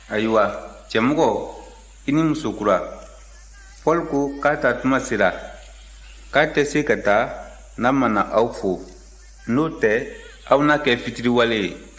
ayiwa cɛmɔgɔ i ni musokura paul ko k'a taatuma sera k'a tɛ se ka taa n'a ma na aw fo n'o tɛ aw n'a kɛ fitiriwale ye